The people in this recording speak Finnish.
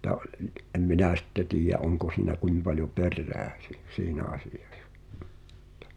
mutta oli en minä sitten tiedä onko siinä kuinka paljon perää - siinä asiassa mutta